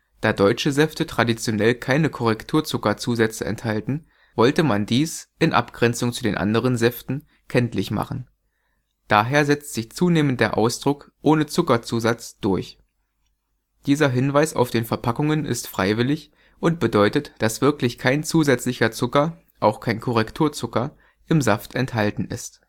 Da deutsche Säfte traditionell keine Korrekturzuckerzusätze enthalten, wollte man dies – in Abgrenzung zu den anderen Säften – kenntlich machen. Daher setzt sich zunehmend der Ausdruck „ Ohne Zuckerzusatz “durch. Dieser Hinweis auf den Verpackungen ist freiwillig und bedeutet, dass wirklich kein zusätzlicher Zucker – auch kein Korrekturzucker – im Saft enthalten ist